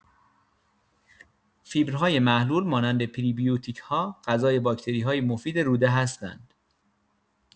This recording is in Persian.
فیبرهای محلول مانند پری‌بیوتیک‌ها غذای باکتری‌های مفید روده هستند.